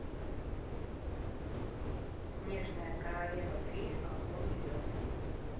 снежная королева три огонь и лед